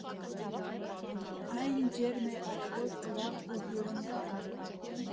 Այն ջերմ է, արևոտ, ուրախ և հյուրընկալ։